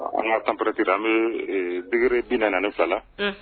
An ka trmperature la , an bɛ - -degrée bi 42 la.